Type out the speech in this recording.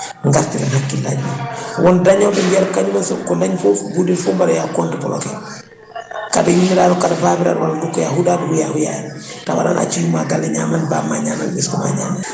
gartiren hakkillaji men won dañoɓe mbiyata kañum en ko dañi foof guddita mbaɗo compte bloqué kaɗa yummiraɗo kaɗa baabiraɗo walla dokkoya huɗuɓe huuya huuya en tawa nana acci yumma galle ñaamani bamma ñaamani ɓesguma ñaamani